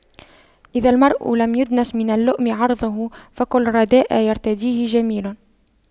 إذا المرء لم يدنس من اللؤم عرضه فكل رداء يرتديه جميل